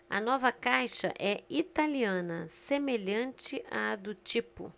a nova caixa é italiana semelhante à do tipo